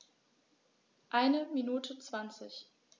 Eine Minute 20